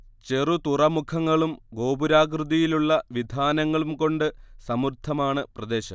ചെറുതുറമുഖങ്ങളും ഗോപുരാകൃതിയിലുള്ള വിധാനങ്ങളും കൊണ്ട് സമൃദ്ധമാണ് പ്രദേശം